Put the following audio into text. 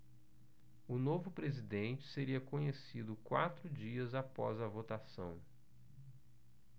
o novo presidente seria conhecido quatro dias após a votação